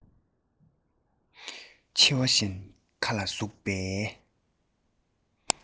མཆེ བ བཞིན མཁའ ལ ཟུག བའི